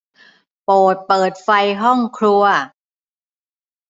โปรดเปิดไฟห้องครัว